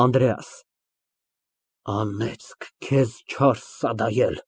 ԱՆԴՐԵԱՍ ֊ Անեծք քեզ, չար սադայել։